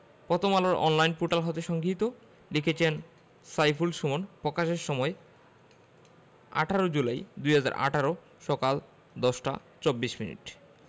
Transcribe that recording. প্রথম আলোর online portal হতে সংগৃহীত লিখেছেন সাইফুল সামিন প্রকাশের সময় ১৮ জুলাই ২০১৮ সকাল ১০টা ২৪ মিনিট